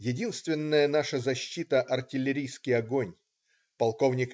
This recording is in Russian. Единственная наша защита - артиллерийский огонь. Полк.